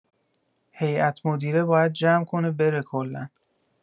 هیئت‌مدیره باید جمع کنه بره کلا